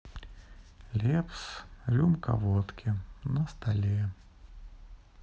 лепс рюмка водки на столе